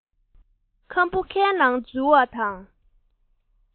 ཁམ ཆུ ཁ ནང འཛུལ བ དང